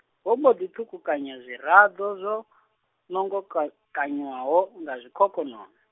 vho mbo ḓi ṱhukukanya zwiraḓo zwo, nongoka- -kanywaho nga zwikhokhonono.